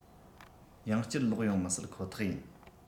ཡང བསྐྱར ལོག ཡོང མི སྲིད ཁོ ཐག ཡིན